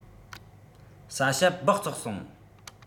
ས ཞབ སྦགས བཙོག སོང